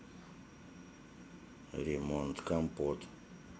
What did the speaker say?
ремонт компот